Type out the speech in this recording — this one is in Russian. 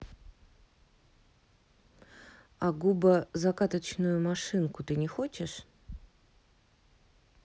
а губа закаточную машинку ты не хочешь